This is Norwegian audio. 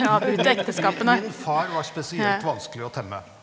min far var spesielt vanskelig å temme.